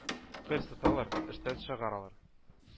Кыерсыталар, эштән чыгаралар.